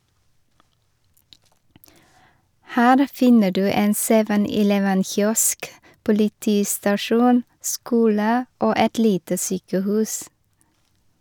Her finner du en 7-eleven kiosk, politistasjon, skole og et lite sykehus.